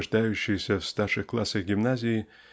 рождающееся в старших классах гимназии